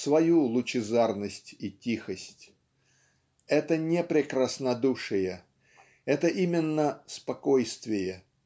свою лучезарность и тихость. Это не прекраснодушие это именно "спокойствие"